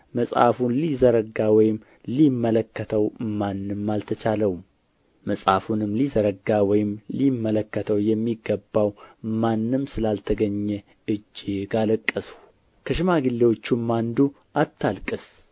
መጽሐፉን ሊዘረጋ ወይም ሊመለከተው ማንም አልተቻለውም መጽሐፉን ሊዘረጋ ወይም ሊመለከተው የሚገባው ማንም ስላልተገኘ እጅግ አለቀስሁ ከሽማግሌዎቹም አንዱ አታልቅስ